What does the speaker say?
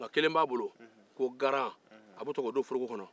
nka kelen b'a bolo ko garan a bɛ to ka o don foroko kɔnɔ